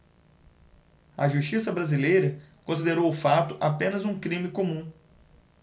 a justiça brasileira considerou o fato apenas um crime comum